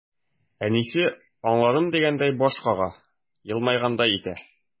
Әнисе, аңладым дигәндәй баш кага, елмайгандай итә.